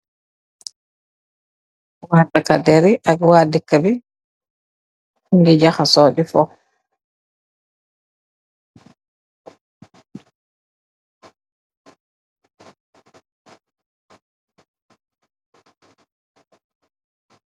Waa déka bi ak takë dear yi, ñiogi jazasoo di foo